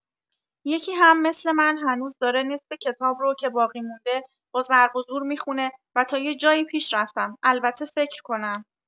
یکی هم مثل من هنوز داره نصف کتاب رو که باقی مونده، با ضرب و زور می‌خونه و تا یه جایی پیش رفتم، البته فکر کنم.